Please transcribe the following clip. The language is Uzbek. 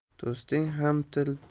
do'sting ham til